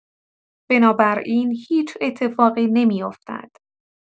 بنابراین هیچ اتفاقی نمی‌افتد.